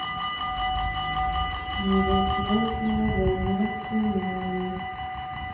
невозможная волна цунами